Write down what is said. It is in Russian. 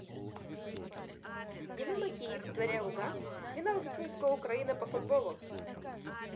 динамо киев заря луганск финал кубка украины по футболу